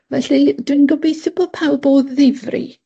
Felly dwi'n gobeithio bo' pawb o ddifri.